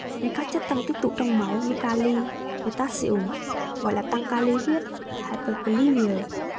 nên các chất tăng tích tụ trong máu như kali gọi là tăng kali huyết